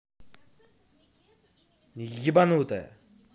ебанутая